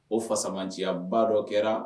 O fasamatiya ba dɔ kɛra